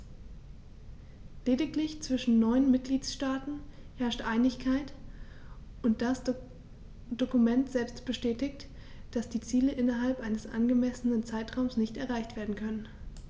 Lediglich zwischen neun Mitgliedsstaaten herrscht Einigkeit, und das Dokument selbst bestätigt, dass die Ziele innerhalb eines angemessenen Zeitraums nicht erreicht werden können.